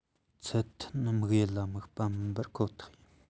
ཚུལ མཐུན དམིགས ཡུལ ལ དམིགས པ མིན པར ཁོ ཐག ཡིན